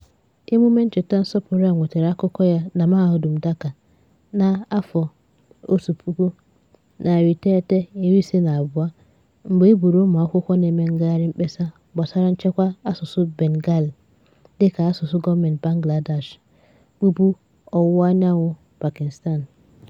Emume ncheta nsọpụrụ a nwetara akụkọ ya na Mahadum Dhaka na 1952 mgbe e gburu ụmụakwụkwọ na-eme ngagharị mkpesa gbasara nchekwa asụsụ Bengali dịka asụsụ gọọmentị Bangladesh (bụbụ ọwụwaanyanwụ Pakistan).